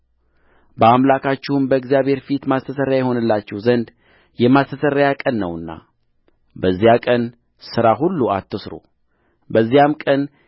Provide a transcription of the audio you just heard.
በአምላካችሁም በእግዚአብሔር ፊት ማስተስረያ ይሆንላችሁ ዘንድ የማስተስረያ ቀን ነውና በዚያ ቀን ሥራ ሁሉ አትሥሩበዚያም ቀን